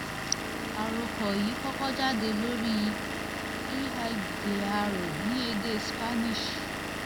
Àròkọ yìí kọ́kọ́ jáde lórí El Diario, ní èdè Spanish.